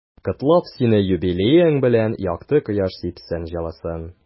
Котлап сине юбилеең белән, якты кояш сипсен җылысын.